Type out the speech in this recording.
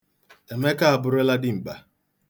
Emeka abụrụla dimkpa.